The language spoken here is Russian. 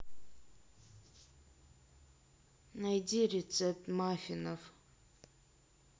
найди рецепт маффинов